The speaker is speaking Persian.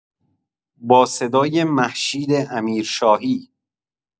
با صدای مهشید امیرشاهی